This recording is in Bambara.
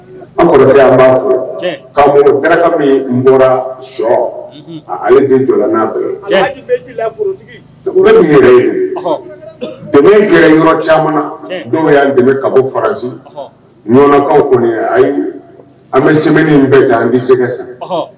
An an b' fɔ k' gaka min n bɔra shɔ ale jɔ'a ye dɛmɛ kɛlɛ caman dɔw y'an dɛmɛ ka bɔ farasikaw kɔni ayi an bɛ sɛ bɛɛ k an di jɛgɛgɛ san